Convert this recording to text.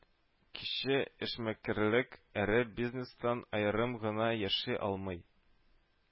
Кече эшмәкәрлек эре бизнестан аерым гына яши алмый